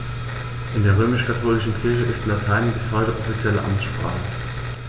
In der römisch-katholischen Kirche ist Latein bis heute offizielle Amtssprache.